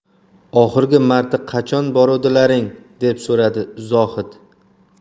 oxirgi marta qachon boruvdilaring deb so'radi zohid